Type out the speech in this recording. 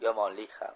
yomonlik ham